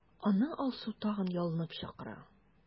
Аны Алсу тагын ялынып чакыра.